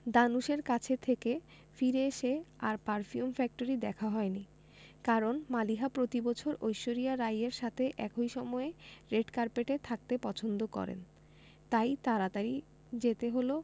ধানুশের কাছে থেকে ফিরে এসে আর পারফিউম ফ্যাক্টরি দেখা হয়নি কারণ মালিহা প্রতিবছর ঐশ্বরিয়া রাই এর সাথে একই সময়ে রেড কার্পেটে থাকতে পছন্দ করেন তাই তাড়াতাড়ি যেতে হলো